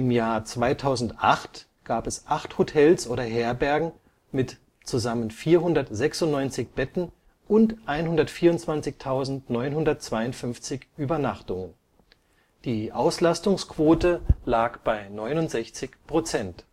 Jahr 2008 gab es acht Hotels oder Herbergen mit zusammen 496 Betten und 124.952 Übernachtungen, die Auslastungsquote lag bei 69 %